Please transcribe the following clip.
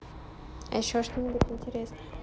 а еще что нибудь интересное